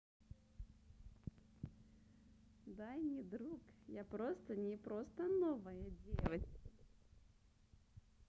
дай мне друг я просто не просто новая девочка